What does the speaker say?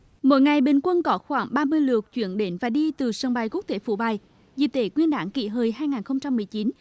mỗi ngày bình quân có khoảng ba mươi lượt chuyển đến và đi từ sân bay quốc tế phú bài dịp tết nguyên đán kỷ hợi hai ngàn không trăm mười chín